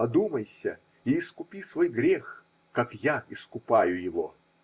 Одумайся и искупи свой грех, как я искупаю его!